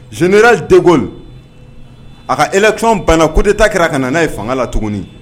Général Degaule a ka élection banna coup d'état kɛra ka nan'a ye fanga tuguni.